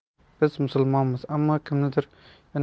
biz musulmonmiz ammo kimnidir